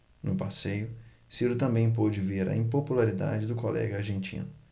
no passeio ciro também pôde ver a impopularidade do colega argentino